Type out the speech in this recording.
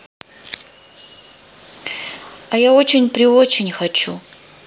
а я очень приочень хочу